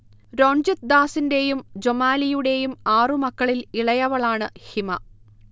രോൺജിത് ദാസിന്റെയും ജൊമാലിയുടെയും ആറുമക്കളിൽ ഇളയവളാണ് ഹിമ